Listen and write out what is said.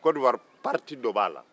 kɔnɔwari fan dɔ b'a la